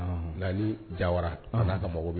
Onhɔn, Lali Jawara o n'a ka m ka mɔgw don.